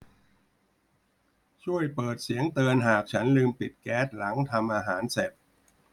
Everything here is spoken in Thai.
ช่วยเปิดเสียงเตือนหากฉันลืมปิดแก๊สหลังทำอาหารเสร็จ